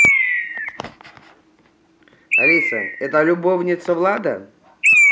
алиса это любовница влада